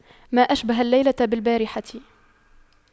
ما أشبه الليلة بالبارحة